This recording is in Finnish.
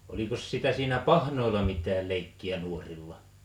olikos sitä siinä pahnoilla mitään leikkiä nuorilla